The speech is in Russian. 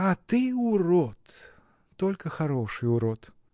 — А ты урод, только хороший урод!